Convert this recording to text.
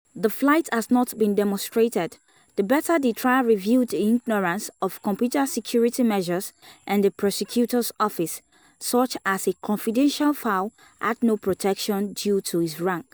The flight has not been demonstrated, the better the trial revealed the ignorance of computer security measures in the prosecutor's office, such as a confidential file had no protection due to his rank.